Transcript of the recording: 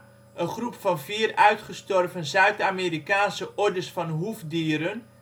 een groep van vier uitgestorven Zuid-Amerikaanse ordes van hoefdieren